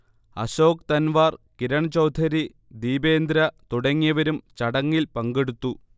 അശോക് തൻവാർ, കിരൺ ചൗധരി, ദീപേന്ദ്ര തുടങ്ങിയവരും ചടങ്ങിൽ പങ്കെടുത്തു